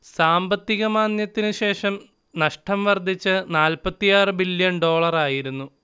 സാമ്പത്തിക മാന്ദ്യത്തിനുശേഷം നഷ്ടം വർധിച്ച് നാല്‍പ്പത്തിയാറ് ബില്യൺ ഡോളറായിരുന്നു